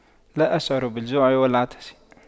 لا أشعر بالجوع والعطش